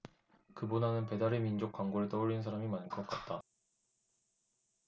그보다는 배달의민족 광고를 떠올리는 사람이 많을 것 같다